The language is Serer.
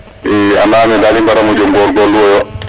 i andame dal mbara moƴo ngongoru woyo